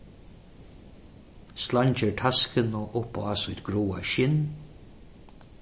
sleingir taskuna upp á sítt gráa skinn